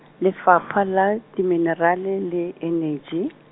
Lefapha la, Dimenerale le Eneji.